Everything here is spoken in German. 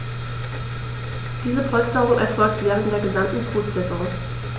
Diese Polsterung erfolgt während der gesamten Brutsaison.